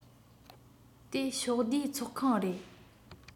དེ ཕྱོགས བསྡུས ཚོགས ཁང རེད